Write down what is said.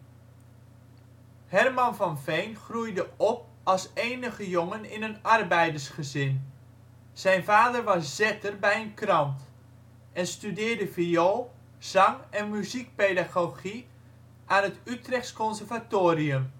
Herman van Veen groeide op als enige jongen in een arbeidersgezin (zijn vader was zetter bij een krant) en studeerde viool, zang en muziekpedagogie aan het Utrechts Conservatorium